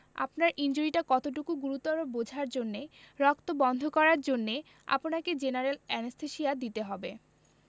আপনার ইনজুরিটা কতটুকু গুরুতর বোঝার জন্যে রক্ত বন্ধ করার জন্যে আপনাকে জেনারেল অ্যানেসথেসিয়া দিতে হবে